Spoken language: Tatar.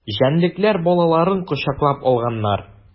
Җәнлекләр балаларын кочаклап алганнар.